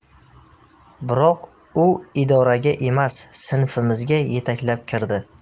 biroq u idoraga emas sinfimizga yetaklab kirdi